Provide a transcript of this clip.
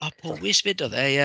A Powys fyd oedd e, ie?